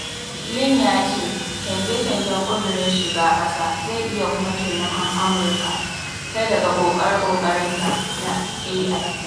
Lee ya ce canje-canjen ƙudurin shiga ƙasa zai iya kuma taimakon Amurka ta daga ƙoƙare-ƙoƙarenta na AI.